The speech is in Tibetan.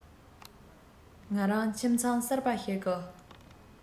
ང རང ཁྱིམ ཚང གསར པ ཞིག གི